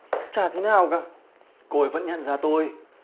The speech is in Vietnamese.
chả thế nào cả cô ấy vẫn nhận ra tôi